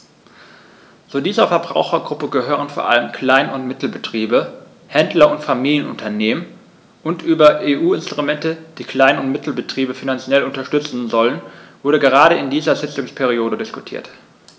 Zu dieser Verbrauchergruppe gehören vor allem Klein- und Mittelbetriebe, Händler und Familienunternehmen, und über EU-Instrumente, die Klein- und Mittelbetriebe finanziell unterstützen sollen, wurde gerade in dieser Sitzungsperiode diskutiert.